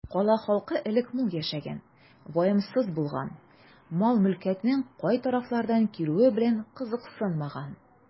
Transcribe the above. Кала халкы элек мул яшәгән, ваемсыз булган, мал-мөлкәтнең кай тарафлардан килүе белән кызыксынмаган.